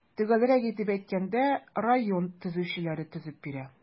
Төгәлрәк итеп әйткәндә, район төзүчеләре төзеп бирә.